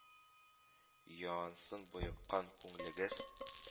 Юансын боеккан күңлегез.